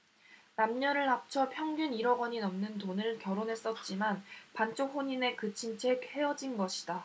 남녀를 합쳐 평균 일 억원이 넘는 돈을 결혼에 썼지만 반쪽 혼인에 그친 채 헤어진 것이다